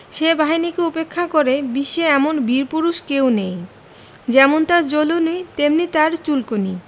সে বাহিনীকে উপেক্ষা করে বিশ্বে এমন বীরপুরুষ কেউ নেই যেমন তার জ্বলুনি তেমনি তার চুলকুনি